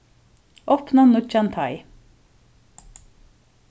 opna nýggjan teig